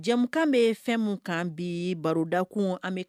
Jɛmukan be fɛn min kan bi baroda kun an bi